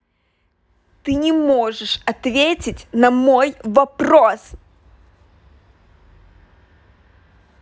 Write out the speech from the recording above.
ты не можешь ответить на мой вопрос